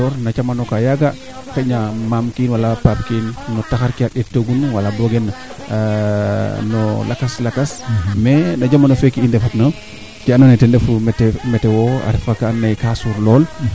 wiin we kaa ŋaq kee moƴna may a ŋaq boo wene mbokat wene sax a ŋand roog fee a deɓiind ndaxa teɓa tadak a naxaq took kand keene